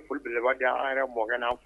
Foliblɛbalidenya an yɛrɛ mɔ na